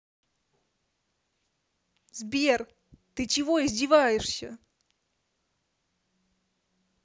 сбер ты чего издеваешься